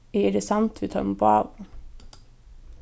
eg eri samd við teimum báðum